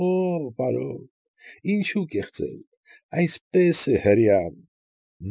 Օօ՜, պարոն, ինչու կեղծել, այսպես է հրեան։